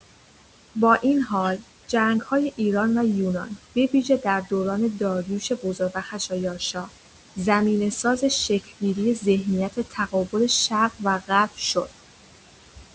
با این حال، جنگ‌های ایران و یونان، به‌ویژه در دوران داریوش بزرگ و خشایارشا، زمینه‌ساز شکل‌گیری ذهنیت تقابل «شرق و غرب» شد؛